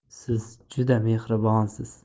siz juda mehribonsiz